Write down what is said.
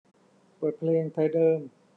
เปิดเพลงไทยเดิม